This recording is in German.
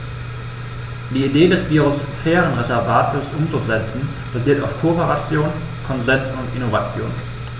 Die Idee des Biosphärenreservates umzusetzen, basiert auf Kooperation, Konsens und Innovation.